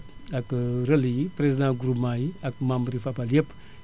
ak relai yi président groupement yi ak membre yun Fapal yëpp